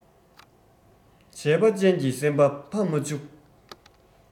བྱས པ ཅན གྱི སེམས པ ཕམ མ འཇུག